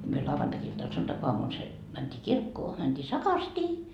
- me lauantai-iltana sunnuntaiaamuna se mentiin kirkkoon mentiin sakastiin